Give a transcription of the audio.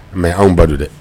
Mais ba don dɛ